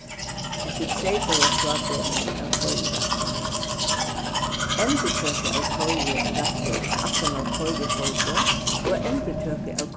eftir treytaða frádøming av koyrirættinum endurtøka av koyrirætti aftaná koyriforboð og endurtøka av